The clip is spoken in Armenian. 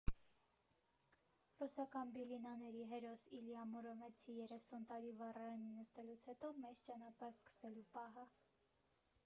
Ռուսական բիլինաների հերոս Իլյա Մուրոմեցի՝ երեսուն տարի վառարանին նստելուց հետո մեծ ճանապարհ սկսելու պահը…